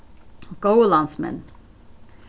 góðu landsmenn